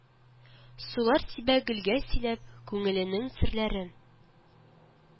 Сулар сибә гөлгә сөйләп Күңеленең серләрен